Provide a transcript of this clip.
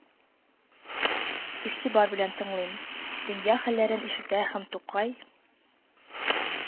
Игътибар белән тыңлый, дөнья хәлләрен ишетә һәм тукай